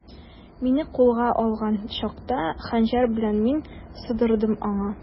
Мине кулга алган чакта, хәнҗәр белән мин сыдырдым аңа.